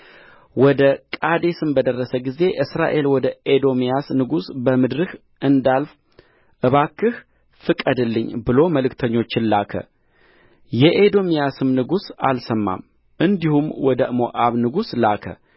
ወደ ቃዴስም በደረሰ ጊዜ እስራኤል ወደ ኤዶምያስ ንጉሥ በምድርህ እንዳልፍ እባክህ ፍቀድልኝ ብሎ መልክተኞችን ላከ የኤዶምያስም ንጉሥ አልሰማም እንዲሁም ወደ ሞዓብ ንጉሥ ላከ